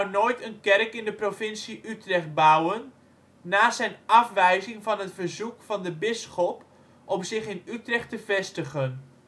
nooit een kerk in de provincie Utrecht bouwen, na zijn afwijzing van het verzoek van de bisschop om zich in Utrecht te vestigen